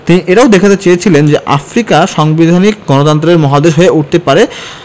তিনি এটাও দেখাতে চেয়েছিলেন যে আফ্রিকা সাংবিধানিক গণতন্ত্রের মহাদেশ হয়ে উঠতে পারে